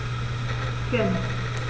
Gerne.